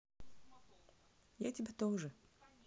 я тебя тоже